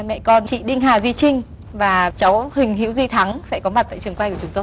mẹ con chị đinh hà duy trinh và cháu huỳnh hữu duy thắng sẽ có mặt tại trường quay của chúng tôi